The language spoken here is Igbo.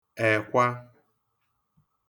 ẹkwa